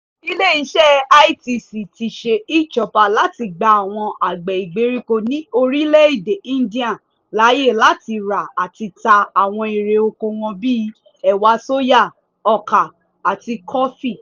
Ilé iṣẹ́ ITC ti ṣe e-Choupal láti gba àwọn àwọn àgbẹ̀ ìgbèríko ní orílẹ̀ èdè India láyé láti rà àti ta àwọn èrè oko bíi ẹ̀wà sóyà, ọkà, àti kofí.